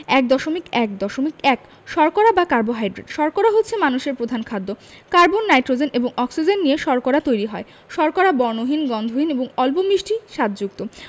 ১.১.১ শর্করা বা কার্বোহাইড্রেট শর্করা হচ্ছে মানুষের প্রধান খাদ্য কার্বন হাইড্রোজেন এবং অক্সিজেন নিয়ে শর্করা তৈরি হয় শর্করা বর্ণহীন গন্ধহীন এবং অল্প মিষ্টি স্বাদযুক্ত